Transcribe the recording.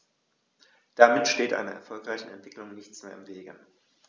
Damit steht einer erfolgreichen Entwicklung nichts mehr im Wege.